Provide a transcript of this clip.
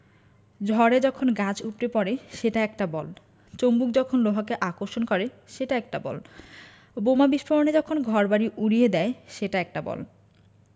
ঝড়ে যখন গাছ উপড়ে পড়ে সেটা একটা বল চুম্বক যখন লোহাকে আকর্ষণ করে সেটা একটা বল বোমা বিস্ফোরণে যখন ঘরবাড়ি উড়িয়ে দেয় সেটা একটা বল